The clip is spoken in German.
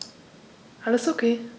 Alles OK.